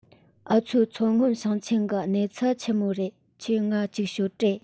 འུ བཟོའི མཚོ སྔོན ཞིང ཆེན གི གནས ཚུལ ཆི མོ རེད ཁྱོས ངའ ཅིག ཤོད དྲེས